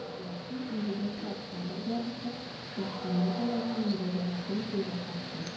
Ләкин 17 октябрьдә исә мәхкәмә аларның мөрәҗәгатен кире какты.